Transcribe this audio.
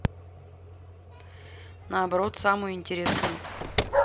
наоборот самую интересную